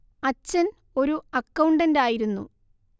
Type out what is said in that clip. അച്ഛൻ ഒരു അക്കൗണ്ടന്റായിരുന്നു